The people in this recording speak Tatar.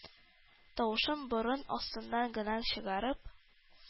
Тавышын борын астыннан гына чыгарып: